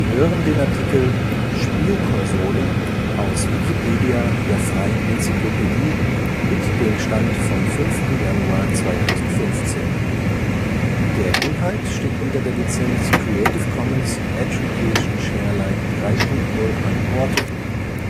hören den Artikel Spielkonsole, aus Wikipedia, der freien Enzyklopädie. Mit dem Stand vom Der Inhalt steht unter der Lizenz Creative Commons Attribution Share Alike 3 Punkt 0 Unported